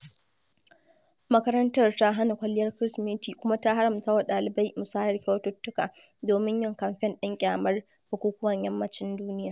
Makarantar ta hana kwalliyar Kirsimeti kuma ta haramta wa ɗalibai musayar kyaututtuka domin yin kamfen ɗin ƙyamar bukukuwan yammacin duniya.